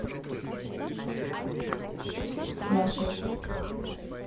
с нашей